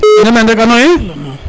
in way meen rek ano ye